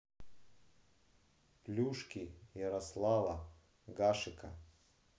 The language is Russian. плюшки ярослава гашека